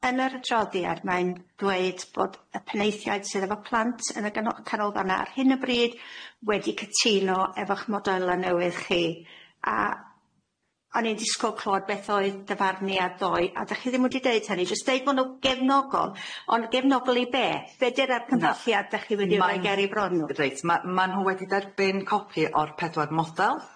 yn yr adroddiad mae'n dweud bod y penaethiaid sydd efo plant yn y gano- canolfana ar hyn o bryd wedi cytuno efo'ch modela newydd chi a o'n i'n disgwl clwad beth oedd dyfarniad ddoe a 'dych chi ddim wedi deud hynny jyst deud bo' n'w gefnogol ond gefnogol i be? Be 'di'r argymdelliad 'dych chi wedi wneud... Mae ...ger i bron n'w? Reit ma' ma' nhw wedi derbyn copi o'r pedwar model,